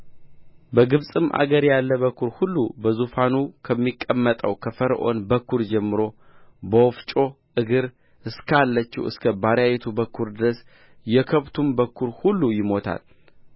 በግብፅም አገር ያለ በኵር ሁሉ በዙፋኑ ከሚቀመጠው ከፈርዖን በኵር ጀምሮ በወፍጮ እግር እስካለችው እስከ ባሪያይቱ በኵር ድረስ የከብቱም በኵር ሁሉ ይሞታል